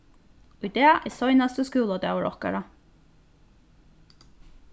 í dag er seinasti skúladagur okkara